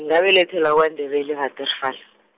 ngabelethelwa kwaNdebele e- Waterval.